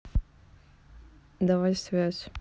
давай связь